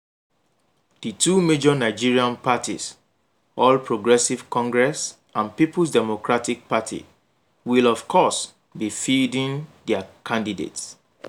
The two major Nigerian parties, All Progressive Congress and Peoples Democratic Party, will, of course, be fielding their candidates: